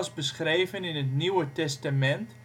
beschreven in het Nieuwe Testament